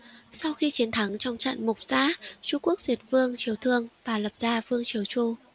sau khi chiến thắng trong trận mục dã chu quốc diệt vương triều thương và lập ra vương triều chu